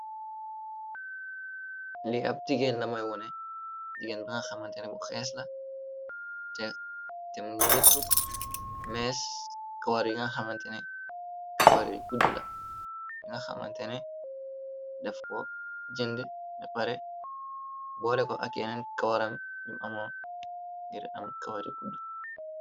Li ab jigeen lamoy wone digaen ba nga xamantene bu xees la te te mnilettu mees kawar yu nga xamantene kawaryi kudd la yu nga xamantene def ko jënd ne pare boore ko ak yeneen kawaram yum amoon ngir am kawari kuddu.